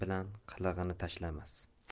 bilan qilig'ini tashlamas